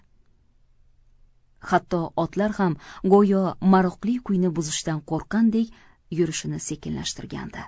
hatto otlar ham go'yo maroqli kuyni buzishdan qo'rqqandek yurishini sekinlashtirgandi